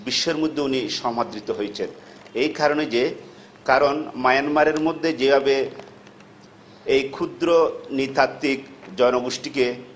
বিশ্বের মধ্যে উনি সমাদৃত হয়েছেন এই কারণে যে কারণ মায়ানমারের মধ্যে যেভাবে এই ক্ষুদ্র নৃতাত্ত্বিক জনগোষ্ঠীকে